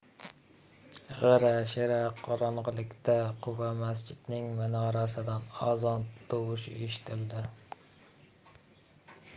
g'ira shira qorong'ilikda quva masjidining minorasidan azon tovushi eshitildi